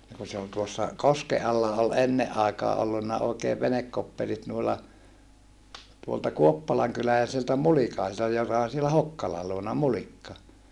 niin kun se oli tuossa kosken alla oli ennen aikaan ollut oikein venekoppelit noilla tuolta kuoppalankyläläisiltä mulikaisilta joka on siellä Hokkalan luona Mulikka